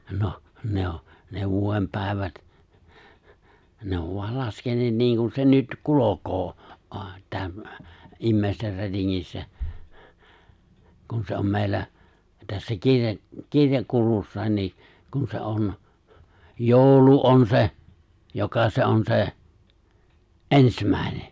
noh ne on ne vuoden päivät ne on vain laskeneet niin kuin se nyt kulkee -- ihmisten rätingissä kun se on meillä tässä - kirjakulussakin niin kun se on joulu on se joka se on se ensimmäinen